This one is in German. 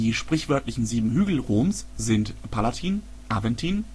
sprichwörtlichen sieben Hügel Roms sind: Palatin, Aventin